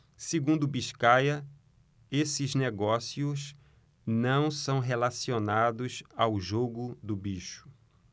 segundo biscaia esses negócios não são relacionados ao jogo do bicho